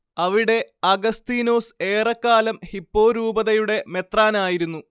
അവിടെ അഗസ്തീനോസ് ഏറെക്കാലം ഹിപ്പോ രൂപതയുടെ മെത്രാനായിരിരുന്നു